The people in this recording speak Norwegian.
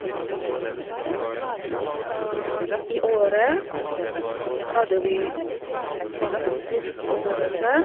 I Åre hadde vi fantastisk opplevelse.